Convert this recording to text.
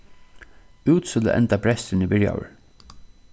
útsøluendabresturin er byrjaður